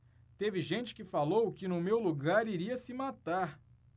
teve gente que falou que no meu lugar iria se matar